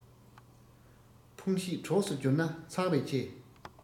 ཕུང བྱེད གྲོགས སུ བསྒྱུར ན མཚང རེ ཆེ